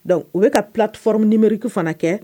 Donc u bɛ ka plate-forme numérique fana kɛ